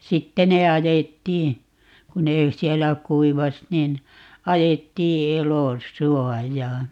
sitten ne ajettiin kun ne siellä kuivasi niin ajettiin elosuojaan